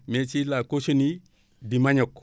mais si la cochenille du manioc